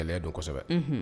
Kɛlɛ gɛlɛya donsɛbɛ